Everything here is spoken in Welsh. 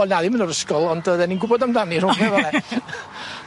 Wel na ddim yn yr ysgol ond oddon ni'n gwbod amdani rhowch fe fel 'a.